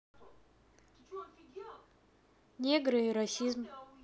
негры и расизм